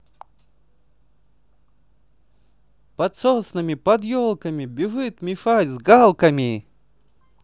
под соснами под елками бежит мешать с галками